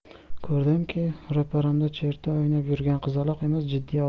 ko'rdimki ro'paramda cherta o'ynab yurgan qizaloq emas jiddiy odam o'tiribdi